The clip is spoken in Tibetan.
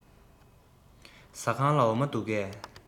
ཟ ཁང ལ འོ མ འདུག གས